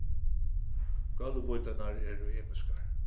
gólvvíddirnar eru ymiskar